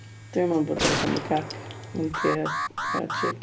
Dwi'n meddwl bod o fatha macaque mwnci a chick.